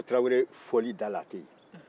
o y'a sɔrɔ tarawele fɔli da la a tɛ yen